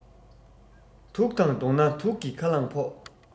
དུག དང བསྡོངས ན དུག གི ཁ རླངས ཕོག